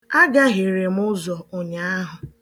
A gahiere m ụzọ ụnyaahụ